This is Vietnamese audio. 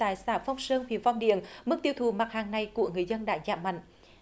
tại xã phúc sơn thì phong điền mức tiêu thụ mặt hàng này của người dân đã giảm hẳn